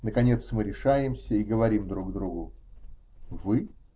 Наконец, мы решаемся и говорим друг другу: -- Вы?